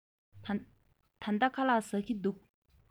ད ལྟ ཁ ལག ཟ གི འདུག